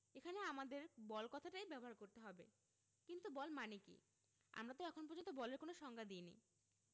এখানে আমাদের বল কথাটাই ব্যবহার করতে হবে কিন্তু বল মানে কী আমরা তো এখন পর্যন্ত বলের কোনো সংজ্ঞা দিইনি